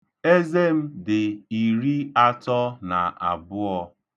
Eze m dị iri atọ na abụọ.